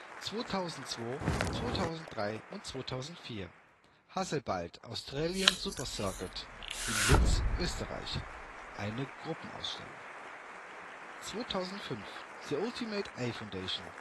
2002, 2003, 2004: HASSELBLAD Austrian Supercircuit, Linz, Österreich (GA) 2005: The Ultimate Eye Foundation